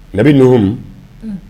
Dabi numu